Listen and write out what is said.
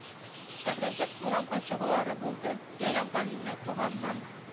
Җитәкләшеп урамга чыгулары булды, Бәйрәмгалинең туганнан